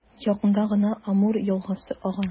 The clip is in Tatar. Якында гына Амур елгасы ага.